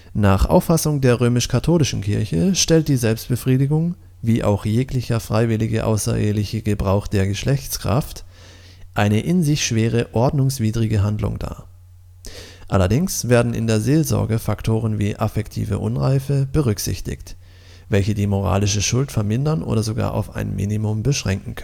Nach Auffassung der römisch-katholischen Kirche stellt die Selbstbefriedigung, wie auch jeglicher freiwillige, außereheliche „ Gebrauch der Geschlechtskraft “, eine „ in sich schwere ordnungswidrige Handlung “dar. Allerdings werden in der Seelsorge Faktoren wie „ affektive Unreife “berücksichtigt, „ welche die moralische Schuld vermindern oder sogar auf ein Mimimum beschränken